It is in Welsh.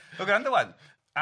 'Nd granda ŵan.